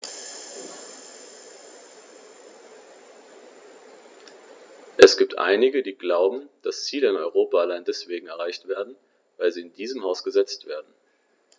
Es gibt einige, die glauben, dass Ziele in Europa allein deswegen erreicht werden, weil sie in diesem Haus gesetzt werden.